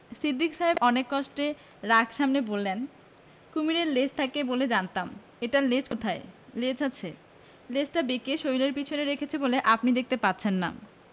সিদ্দিক সাহেব অনেক কষ্টে রাগ সামলে বললেন কুমীরের লেজ থাকে বলে জানতাম এটার লেজ কোথায় লেজ আছে লেজটা বেঁকিয়ে শরীরের পেছনে রেখেছে বলে আপনি দেখতে পাচ্ছেন না